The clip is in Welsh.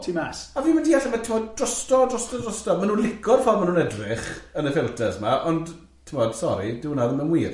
A fi'm n diall, am- tibod drosto, drosto, drosto, ma' nhw'n licio'r ffordd ma' nhw'n edrych yn y ffilters ma, ond, tibod, sori, dyw hwnna ddim yn wir.